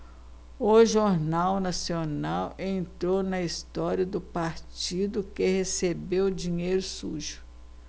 o jornal nacional entrou na história do partido que recebeu dinheiro sujo